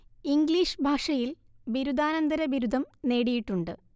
English ഭാഷയിൽ ബിരുദാനന്തര ബിരുദം നേടിയിട്ടുണ്ട്